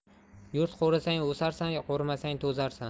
yurt qo'risang o'sarsan qo'rimasang to'zarsan